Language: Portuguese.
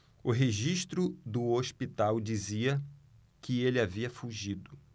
o registro do hospital dizia que ele havia fugido